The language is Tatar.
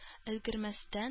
Өлгермәстән